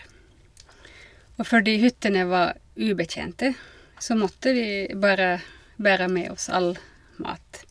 Og fordi hyttene var ubetjente, så måtte vi bare bære med oss all mat.